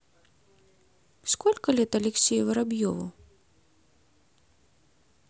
сколько лет алексею воробьеву